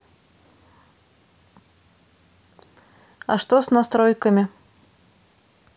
а что с настройками